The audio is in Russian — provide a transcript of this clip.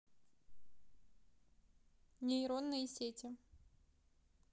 нейронные сети